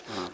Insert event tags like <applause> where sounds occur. <hesitation> <hesitation>